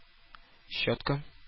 Щетка